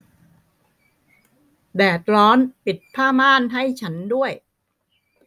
แดดร้อนปิดผ้าม่านให้ฉันด้วย